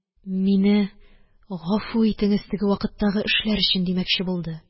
«мине гафу итеңез теге вакыттагы эшләр өчен!» димәкче булды.